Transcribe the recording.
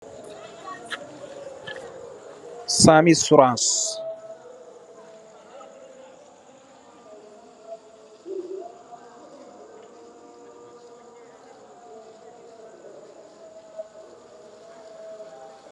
Saami suraans